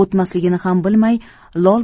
o'tmasligini ham bilmay lol